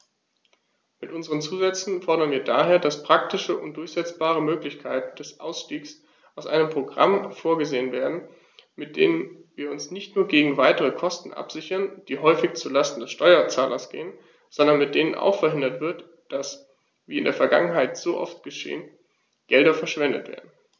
Mit unseren Zusätzen fordern wir daher, dass praktische und durchsetzbare Möglichkeiten des Ausstiegs aus einem Programm vorgesehen werden, mit denen wir uns nicht nur gegen weitere Kosten absichern, die häufig zu Lasten des Steuerzahlers gehen, sondern mit denen auch verhindert wird, dass, wie in der Vergangenheit so oft geschehen, Gelder verschwendet werden.